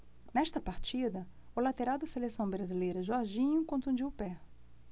nesta partida o lateral da seleção brasileira jorginho contundiu o pé